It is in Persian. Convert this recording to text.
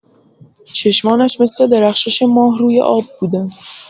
چشمانش مثل درخشش ماه روی آب بودند.